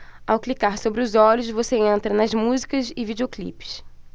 ao clicar sobre os olhos você entra nas músicas e videoclipes